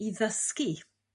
i ddysgu